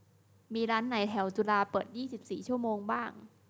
มีร้านไหนแถวจุฬาเปิดยี่สิบสี่ชั่วโมงบ้าง